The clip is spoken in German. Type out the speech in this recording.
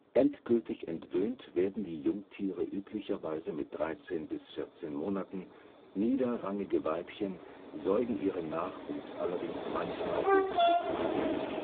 Endgültig entwöhnt werden die Jungtiere üblicherweise mit 13 bis 14 Monaten, niederrangige Weibchen säugen ihren Nachwuchs allerdings manchmal bis zu zwei Jahre